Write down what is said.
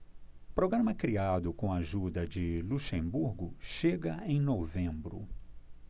programa criado com a ajuda de luxemburgo chega em novembro